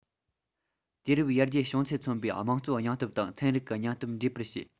དུས རབས ཡར རྒྱས བྱུང ཚུལ མཚོན པའི དམངས གཙོའི སྙིང སྟོབས དང ཚན རིག གི སྙིང སྟོབས འདྲེས པར བྱས